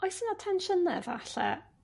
Oes 'na tensiynne efalle